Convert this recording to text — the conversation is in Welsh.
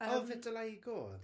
O vitiligo.